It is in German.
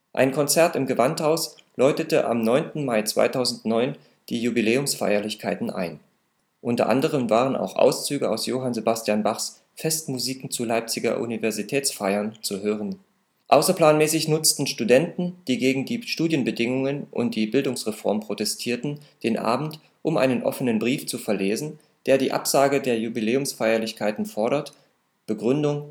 Ein Konzert im Gewandhaus läutete am 9. Mai 2009 die Jubiläumsfeierlichkeiten ein. Unter anderem waren auch Auszüge aus Johann Sebastian Bachs " Festmusiken zu Leipziger Universitätsfeiern " zu hören sein. Außerplanmäßig nutzten Studenten, die gegen die Studienbedingungen und die Bildungsreform protestieren, den Abend, um einen offenen Brief zu verlesen, der die Absage der Jubiläumsfeierlichkeiten fordert, Begründung